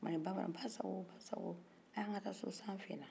ba b'a la ba sago ba sago an ka taa so san finna